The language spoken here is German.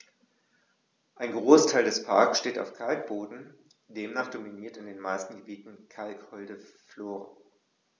Ein Großteil des Parks steht auf Kalkboden, demnach dominiert in den meisten Gebieten kalkholde Flora.